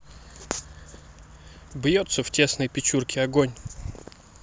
бьется в тесной печурке огонь